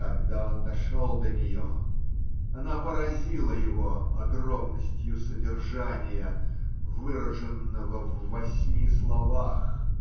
Когда он дошел до нее, она поразила его огромностью содержания, выраженного в восьми словах